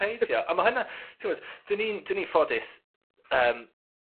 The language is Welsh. ...peidio. A ma' hwnna... T'mod 'dyn ni'n 'dyn ni'n ffodus yym